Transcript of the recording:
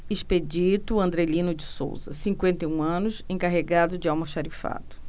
expedito andrelino de souza cinquenta e um anos encarregado de almoxarifado